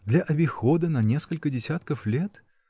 Для обихода на несколько десятков лет?